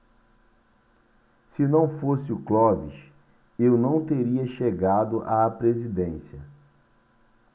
se não fosse o clóvis eu não teria chegado à presidência